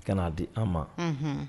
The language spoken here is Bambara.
Ka na a di an ma, unhun